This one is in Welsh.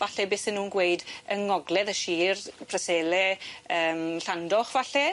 Falle be sen nw'n gweud yng Ngogledd y Sir, Prysele yym Llandoch falle?